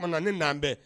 Bamanan ni naanian bɛɛ